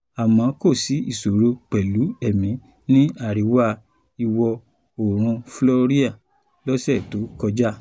Àmọ́ kò sí ìṣòrò pẹ̀lú èémí ní àríwá-ìwọ̀-oòrùn Floria lọ́sẹ̀ tó kọjá.